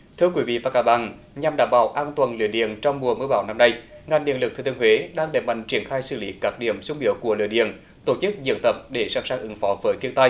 thưa quý vị và cá bằng nhằm đảm bảo an toàn lưới điện trong mùa mưa bão năm nay ngành điện lực thừa thiên huế đang đẩy mạnh triển khai xử lý các điểm xung yếu của lựa điểm tổ chức diễn tập để sắp xếp ứng phó với thiên tai